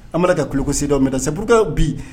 An mana ka kulugosida mɛn se buru bi